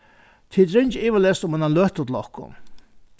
tit ringja ivaleyst um eina løtu til okkum